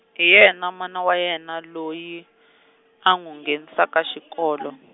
hi yena mana wa yena loyi, a n'wi nghenisaka xikolo.